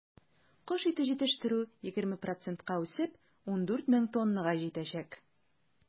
Кош ите җитештерү, 20 процентка үсеп, 14 мең тоннага җитәчәк.